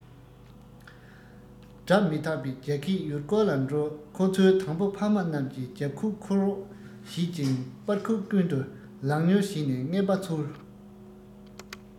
སྒྲ མི དག པའི རྒྱ སྐད ཡུལ སྐོར ལ འགྲོ ཁོ ཚོས དང པོ ཕ མ རྣམས ཀྱི རྒྱབ ཁུག འཁུར རོགས བྱེད ཅིང པར ཁུག ཀུན ཏུ ལག ཉུལ བྱས ནས རྔན པ འཚོལ